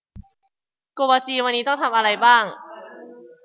โกวาจีวันนี้ต้องทำอะไรบ้าง